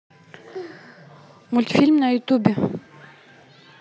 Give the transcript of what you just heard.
мультфильм на ютубе